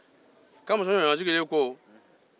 kamisa ɲɔɲɔ sigilen ko